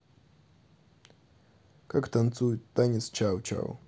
как танцуют танец чао чао